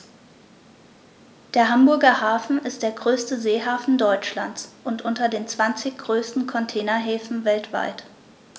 Der Hamburger Hafen ist der größte Seehafen Deutschlands und unter den zwanzig größten Containerhäfen weltweit.